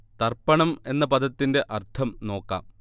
തർപ്പണം എന്ന പദത്തിന്റെ അർത്ഥം നോക്കാം